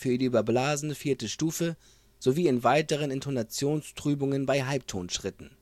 überblasene 4. Stufe sowie in weiteren Intonationstrübungen bei Halbtonschritten